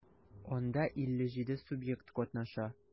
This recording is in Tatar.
Анда 57 субъект катнаша.